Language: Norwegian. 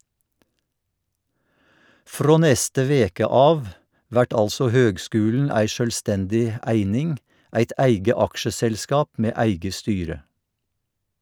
Frå neste veke av vert altså høgskulen ei sjølvstendig eining, eit eige aksjeselskap med eige styre.